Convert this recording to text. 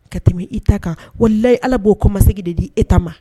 Ka tɛmɛ i ta kan walilayi ala b'o kɔmasigi de di e ta ma